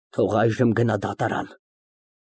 Թող այժմ գնա դատարան։